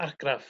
argraff